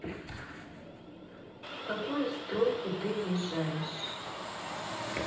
в какую стройку ты въезжаешь